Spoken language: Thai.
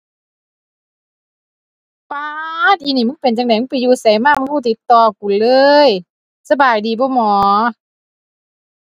ป๊าด อีนี่มึงเป็นจั่งใด มึงไปอยู่ไสมา มึงคือบ่ติดต่อกูเลย สบายดีบ่หมอ